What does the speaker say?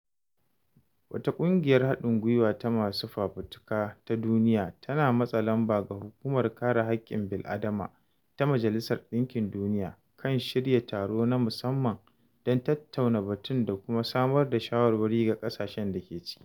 Wata ƙungiyar haɗin gwiwa ta masu fafutuka ta duniya tana matsa lamba ga Hukumar Kare Haƙƙin Bil'adama ta Majalisar Ɗinkin Duniya kan shirya taro na musamman don tattauna batun da kuma samar da shawarwari ga ƙasashe da ke ciki.